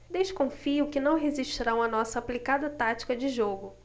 desconfio que não resistirão à nossa aplicada tática de jogo